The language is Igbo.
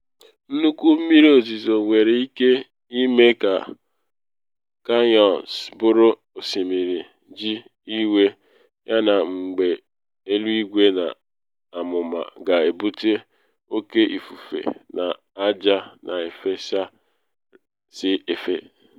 Nnukwu mmiri ozizo nwere ike ịme ka kanyọns bụrụ osimiri ji iwe yana egbe eluigwe na amụma ga-ebute oke ifufe na aja na efesasị efe.